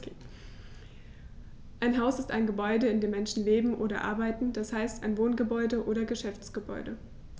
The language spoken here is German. Ein Haus ist ein Gebäude, in dem Menschen leben oder arbeiten, d. h. ein Wohngebäude oder Geschäftsgebäude.